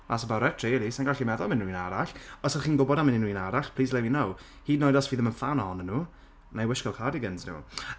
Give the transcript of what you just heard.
that's about it rili, sai'n gallu meddwl am unryw un arall os 'y chi'n gwybod am unryw un arall please let me know hyd yn oed os fi ddim yn fan ohonno nhw wna i wisgo cardigans nhw.